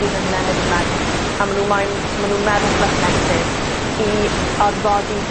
llun o hunan neu be' bynnag, a ma' nw moyn, ma' nw'n meddwl rhwbeth negatif, i orfodi